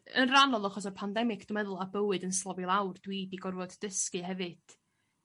yn rhannol achos y pandemic dwi meddwl a bywyd yn slofi lawr dwi 'di gorfod dysgu hefyd